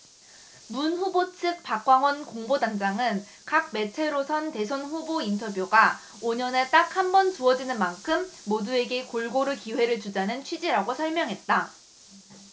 문 후보 측 박광온 공보단장은 각 매체로선 대선 후보 인터뷰가 오 년에 딱 한 번 주어지는 만큼 모두에게 골고루 기회를 주자는 취지라고 설명했다